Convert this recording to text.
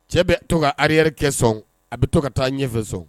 Cɛ bɛ to ka arrière kɛ sɔn, a bɛ to ka taa ɲɛfɛ sɔn